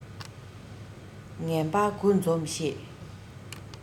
ངན པ དགུ འཛོམས ཞེས